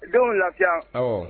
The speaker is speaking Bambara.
Denw lafiya. Awɔ.